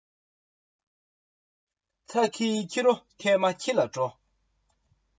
ཚྭ ཁའི ཁྱི རོ མཐའ མ ཁྱི ལ འགྲོ